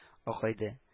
Акайды